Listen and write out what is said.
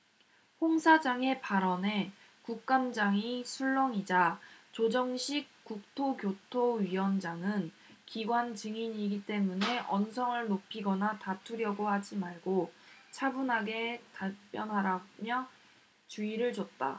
홍 사장의 발언에 국감장이 술렁이자 조정식 국토교토위원장은 기관 증인이기 때문에 언성을 높이거나 다투려고 하지 말고 차분하게 답변하라며 주의를 줬다